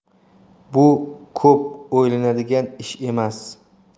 bu ko'p o'ylaydigan ish emas